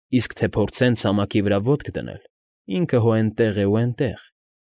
Իսկ թե փորձեն ցամաքի վրա ոտք դնել՝ ինքը հո էնտեղ է ու էնտեղ։